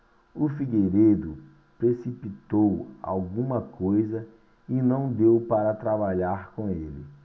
o figueiredo precipitou alguma coisa e não deu para trabalhar com ele